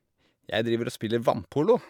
Jeg driver og spiller vannpolo.